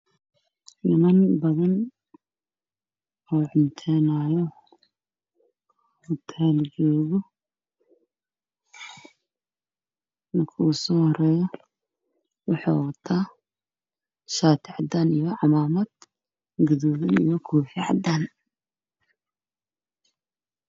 Niman badan oo huteel jooga